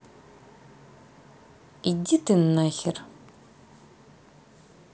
иди ты нахер